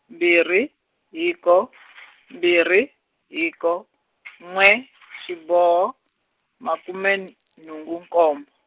mbirhi hiko mbirhi hiko n'we xiboho makume n-, nhungu nkombo.